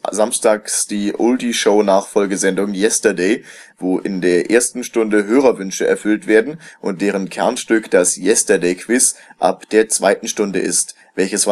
samstags die Oldie-Show-Nachfolge-Sendung Yesterday, wo in der ersten Stunde Hörerwünsche erfüllt werden und deren Kernstück das „ Yesterday-Quiz “ab der zweiten Stunde ist, welches